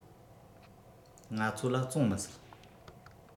ང ཚོ ལ བཙོང མི སྲིད